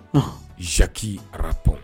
Anh Jacki Rapon